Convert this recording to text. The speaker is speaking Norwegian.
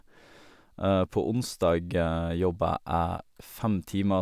På onsdag jobba jeg fem timer.